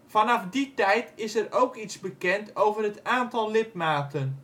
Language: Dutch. Vanaf die tijd is er ook iets bekend over het aantal lidmaten